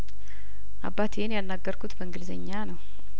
አባቴን ያናገር ኩት በእንግሊዘኛ ነው